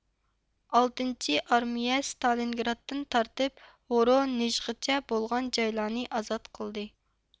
ئالتىنچى ئارمىيە ستالىنگرادتىن تارتىپ ۋورونېژغىچە بولغان جايلارنى ئازات قىلدى